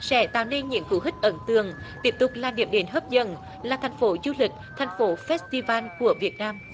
sẻ tạo nên những cú hích ấn tượng tiếp tục là điểm đến hấp dẫn là thành phố du lịch thành phố phét ti van của việt nam